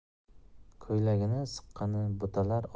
ko'ylagini siqqani butalar